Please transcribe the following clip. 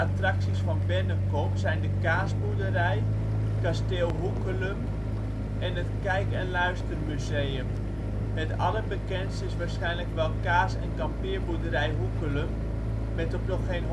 attracties van Bennekom zijn " de kaasboerderij ", kasteel Hoekelum en het Kijk & Luistermuseum. Het allerbekendst is waarschijnlijk wel kaas - en kampeerboerderij Hoekelum met op nog geen